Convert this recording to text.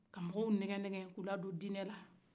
ka mɔgɔw nɛgɛ nɛgɛ k'u la don dinɛ la